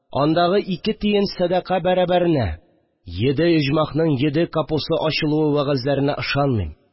Андагы ике тиен сәдака бәрабәренә җиде оҗмахның җиде капусы ачылуы вәгазьләренә ышанмыйм